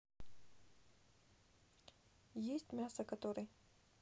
есть мясо который